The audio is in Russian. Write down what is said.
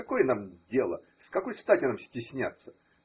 Какое нам дело, с какой стати нам стесняться?